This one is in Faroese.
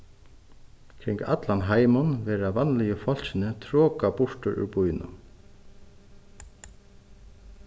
kring allan heimin verða vanligu fólkini trokað burtur úr býunum